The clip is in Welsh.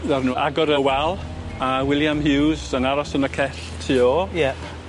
Mi ddaru nw agor y wal a William Hughes yn aros yn y cell tu ôl. Ie.